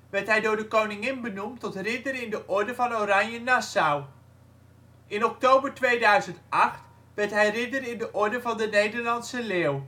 werd hij door de koningin benoemd tot Ridder in de Orde van Oranje-Nassau. In oktober 2008 werd hij Ridder in de Orde van de Nederlandse Leeuw